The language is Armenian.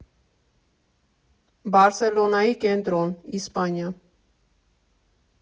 Բարսելոնայի կենտրոն, Իսպանիա։